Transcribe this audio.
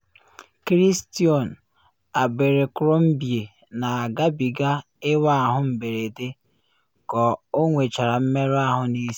Christion Abercrombie Na Agabiga Ịwa Ahụ Mberede Ka Ọ Nwechara Mmerụ Ahụ N’isi